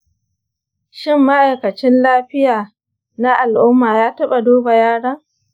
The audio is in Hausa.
shin ma’aikacin lafiya na al’umma ya taɓa duba yaron?